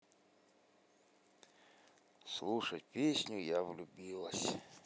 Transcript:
слушать песню я влюбилась